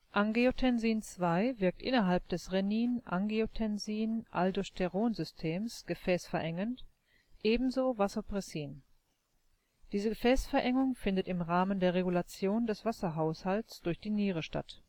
Angiotensin II wirkt innerhalb des Renin-Angiotensin-Aldosteron-Systems gefäßverengend, ebenso Vasopressin. Diese Gefäßverengung findet im Rahmen der Regulation des Wasserhaushalts durch die Niere statt